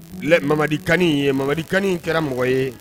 Bilade Mamadi Kanɛ ye, Mamadi kanɛ in kɛra mɔgɔ ye